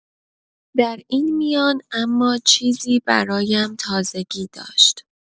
در این میان اما چیزی برایم تازگی داشت.